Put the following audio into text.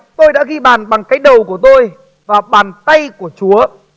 tôi đã ghi bàn bằng cách đầu của tôi và bàn tay của chúa